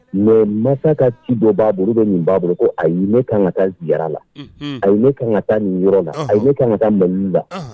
Mɛ masa ka ci dɔ baa bolo bɛ nin b baaa bolo a ye ne kan ka taa la a ne kan ka taa nin yɔrɔ la a yee kan ka taa m la